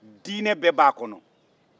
diinɛ bɛɛ b'a kɔnɔ